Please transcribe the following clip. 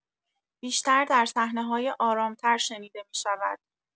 بیشتر در صحنه‌های آرام‌تر شنیده می‌شود.